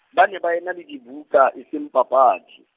ba ne ba ena le dibuka e seng papadi.